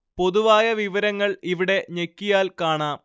പൊതുവായ വിവരങ്ങൾ ഇവിടെ ഞെക്കിയാൽ കാണാം